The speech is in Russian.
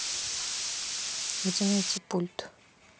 где найти пульт